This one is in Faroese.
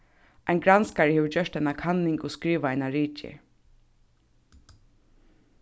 ein granskari hevur gjørt eina kanning og skrivað eina ritgerð